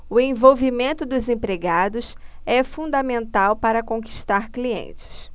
o envolvimento dos empregados é fundamental para conquistar clientes